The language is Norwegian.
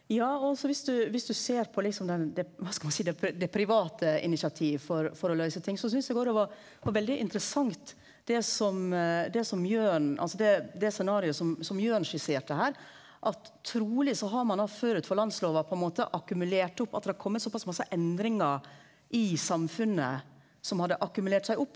ja og altså viss du viss du ser på liksom den det kva skal ein seie det det private initiativ for for å løyse ting så synst eg òg det var var veldig interessant det som det som Jørn altså det det scenarioet som som Jørn skisserte her at truleg så har ein da forut for landslova på ein måte akkumulert opp at det har komme såpass masse endringar i samfunnet som hadde akkumulert seg opp.